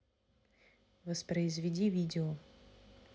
воспроизведи видео